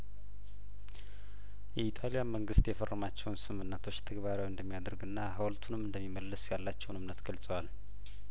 የኢጣሊያን መንግስት የፈረ ማቸውን ስምምነቶች ተግባራዊ እንደሚያደርግና ሀውልቱንም እንደሚመልስ ያላቸውን እምነት ገልጸዋል